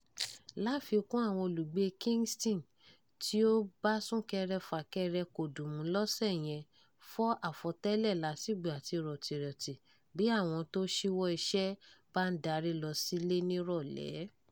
Láfikún, àwọn olùgbée Kingston, tí ó bá súnkẹrẹ fàkẹrẹ kòdìmú lọ́sẹ̀ yẹn, fọ àfọ̀tẹ́lẹ̀ làásìgbò àti rọ̀tìrọti bí àwọn tó ṣíwọ́ iṣẹ́ bá ń darí lọ sílé nírọ̀lẹ́.